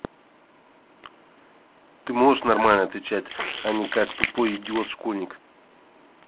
ты можешь нормально отвечать а не как тупой идет школьник